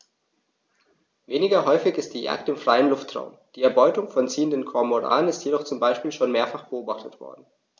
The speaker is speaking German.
Weniger häufig ist die Jagd im freien Luftraum; die Erbeutung von ziehenden Kormoranen ist jedoch zum Beispiel schon mehrfach beobachtet worden.